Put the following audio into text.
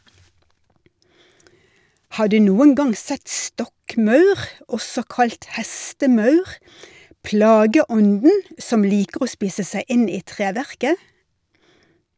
Har du noen gang sett stokkmaur, også kalt hestemaur, plageånden som liker å spise seg inn i treverket?